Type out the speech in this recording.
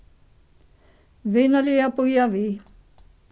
vinarliga bíða við